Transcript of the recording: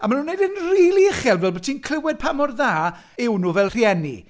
A maen nhw'n wneud e'n rili uchel, fel bo' ti'n clywed pa mor dda yw nhw fel rhieni.